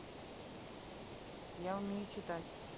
я умею читать